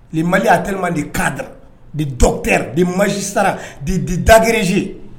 le Mali a tellement de cadre de Docteur de Magistrat de d'Agréger